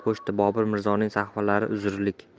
qo'shdi bobur mirzoning sahvlari uzrlik